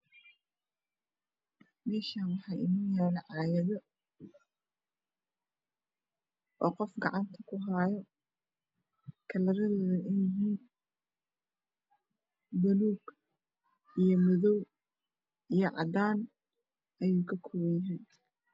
Halkan waa yalo cagag kalar kode waa madow iyo cades iyo baluug